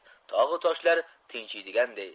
tog'u toshlar tinchiydiganday